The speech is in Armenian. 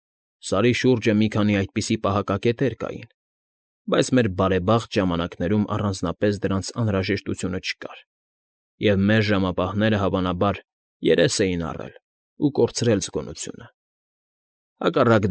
Սարի շուրջը մի քանի այդպիսի պահակակետեր կային, բայց մեր բարեբախտ ժամանակներում առանձնապես դրանց անհրաժեշտությունը չկար, և մեր ժամապահները, հավանաբար, երես էին առել ու կորցրել զգոնությունը, հակառակ։